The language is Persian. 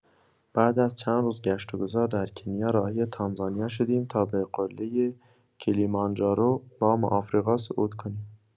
بعد از چند روز گشت و گذار در کنیا، راهی تانزانیا شدیم تا به قله کلیمانجارو، بام آفریقا صعود کنیم.